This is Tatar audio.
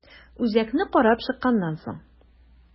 Үзәкне карап чыкканнан соң.